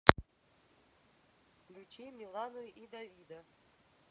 включи милану и давида